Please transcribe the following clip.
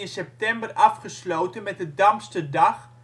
september afgesloten met de Damsterdag